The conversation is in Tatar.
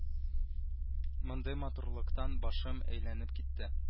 Мондый матурлыктан башым әйләнеп китте